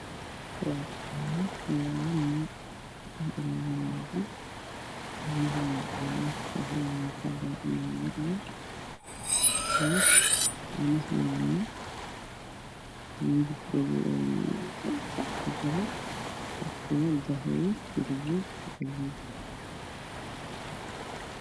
Waa supar market waxaa iiga muuqda gasacyo waxaana ku jiraan oo midabkoodu yahay caddaan waxa ay saaran yihiin iskafaaro